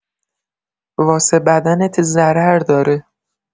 واسه بدنت ضرر داره.